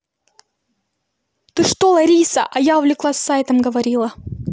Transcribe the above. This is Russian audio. ты что лариса а я увлеклась сайтом говорила